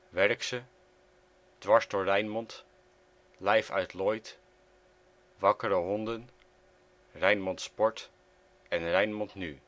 WerkZe! "," Dwars door Rijnmond "," Live uit Lloyd "," Wakkere Honden ", Rijnmond Sport en Rijnmond Nu